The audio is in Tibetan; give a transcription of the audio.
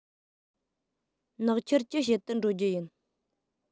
ནག ཆུར ཅི བྱེད དུ འགྲོ རྒྱུ ཡིན